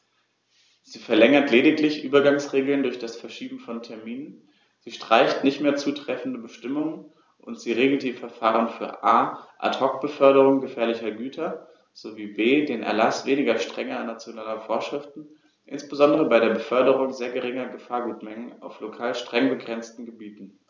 Sie verlängert lediglich Übergangsregeln durch das Verschieben von Terminen, sie streicht nicht mehr zutreffende Bestimmungen, und sie regelt die Verfahren für a) Ad hoc-Beförderungen gefährlicher Güter sowie b) den Erlaß weniger strenger nationaler Vorschriften, insbesondere bei der Beförderung sehr geringer Gefahrgutmengen auf lokal streng begrenzten Gebieten.